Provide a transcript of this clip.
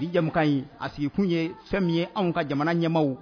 Bija in a sigi tun ye fɛn min ye anw ka jamana ɲɛmaw